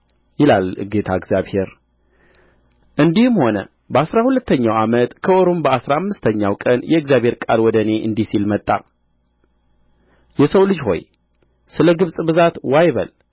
ይላል ጌታ እግዚአብሔር እንዲህም ሆነ በአሥራ ሁለተኛው ዓመት ከወሩም በአሥራ አምስተኛው ቀን የእግዚአብሔር ቃል ወደ እኔ እንዲህ ሲል መጣ የሰው ልጅ ሆይ ስለ ግብጽ ብዛት ዋይ በል